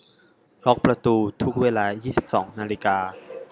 ล็อคประตูทุกเวลายี่สิบสองนาฬิกา